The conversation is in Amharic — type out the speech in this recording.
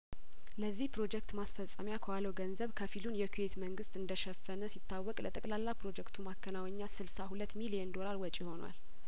ለዚህ ፕሮጀክት ማስፈጸሚያከዋለው ገንዘብ ከፊሉን የኩዌት መንግስት እንደሸፈነ ሲታወቅ ለጠቅላላ ፕሮጀክቱ ማከናወኛ ስልሳ ሁለት ሚሊየን ዶላር ወጪ ሆኗል